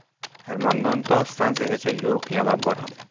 xirmondan to stansiyagacha yo'l qiyalab boradi